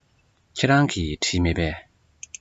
ཁྱེད རང གིས བྲིས མེད པས